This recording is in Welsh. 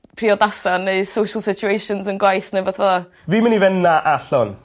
priodasa neu social situations yn gwaith ne' rwbeth fel 'a. Fi mynd mynd i fynd a- allan.